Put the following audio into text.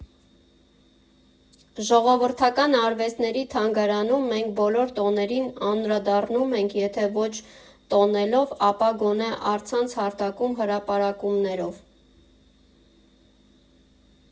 Ժողովրդական արվեստների թանգարանում մենք բոլոր տոներին անդրադառնում ենք, եթե ոչ տոնելով, ապա գոնե առցանց հարթակում հրապարակումներով։